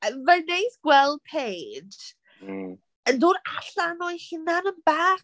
Mae'n neis gweld Paige yn dod allan o'i hunan 'mbach.